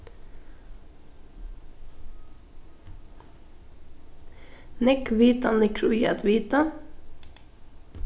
nógv vitan liggur í at vita